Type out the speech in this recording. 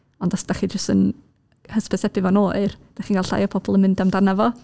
Ond os dych chi jyst yn hysbysebu fo'n oer, dych chi'n cael llai o pobl yn mynd amdano fo.